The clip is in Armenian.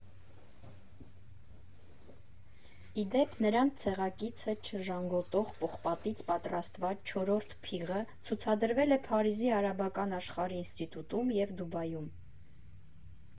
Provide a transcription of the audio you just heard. Ի դեպ, նրանց ցեղակիցը՝ չժանգոտող պողպատից պատրաստված չորրորդ փիղը, ցուցադրվել է Փարիզի Արաբական աշխարհի ինստիտուտում և Դուբայում։